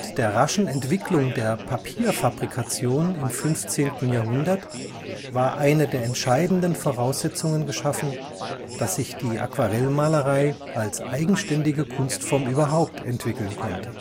der raschen Entwicklung der Papierfabrikation im 15. Jahrhundert war eine der entscheidenden Voraussetzungen geschaffen, dass sich die Aquarellmalerei als eigenständige Kunstform überhaupt entwickeln konnte